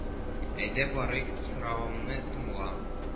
Әйдә барыйк, соравымны тыңла